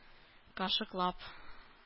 Кашыклап